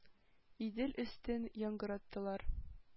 Идел өстен яңгыраттылар.